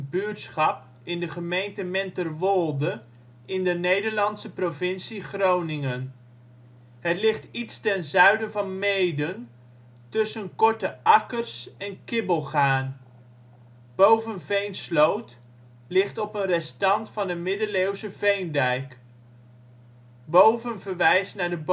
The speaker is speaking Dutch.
buurtschap in de gemeente Menterwolde in de Nederlandse provincie Groningen. Het ligt iets ten zuiden van Meeden, tussen Korte Akkers en Kibbelgaarn. Boven Veensloot ligt op een restant van een middeleeuwse veendijk. Boven verwijst naar de